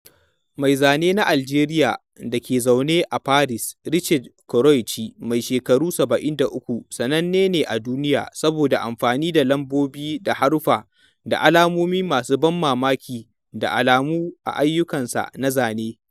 Mai zane ɗan Aljeriya da ke zaune a Paris, Rachid Koraichi, mai shekaru 73, sananne ne a duniya saboda amfani da lambobi da haruffa da alamomi masu ban mamaki da alamu a ayyukansa na zane.